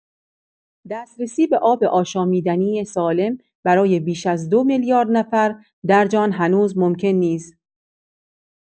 دسترسی به آب آشامیدنی سالم برای بیش از دو میلیارد نفر در جهان هنوز ممکن نیست.